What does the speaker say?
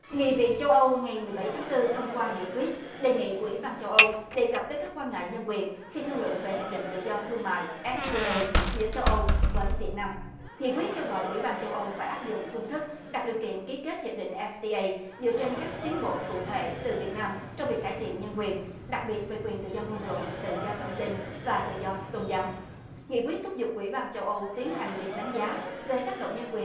nghị viện châu âu ngày mười bảy tháng tư thông qua nghị quyết đề nghị ủy ban châu âu đề cập tới các quan ngại nhân quyền khi thương lượng về hiệp định tự do thương mại ép ti ây giữa châu âu với việt nam nghị quyết kêu gọi ủy ban châu âu phải áp dụng phương thức đặt điều kiện ký kết hiệp định ép ti ây dựa trên các tiến bộ cụ thể từ việt nam trong việc cải thiện nhân quyền đặc biệt về quyền tự do ngôn luận tự do thông tin và tự do tôn giáo nghị quyết thúc giục ủy ban châu âu tiến hành việc đánh giá về tác động nhân quyền